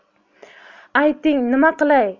ayting nima qilay